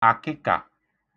àkịkà